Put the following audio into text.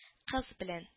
Кыз белән